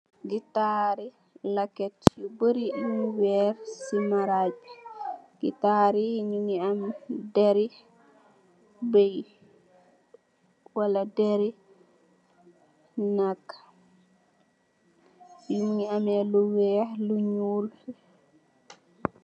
Gitaari leket yu baari, yun weer si maraaj, gitaar yi nyungi am deri bey, wala deri nakk, nyungi amme lu weex, lu nyuul